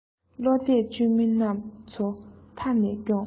བློ གཏད བཅོལ མི རྣམས ཚོ མཐའ ནས སྐྱོངས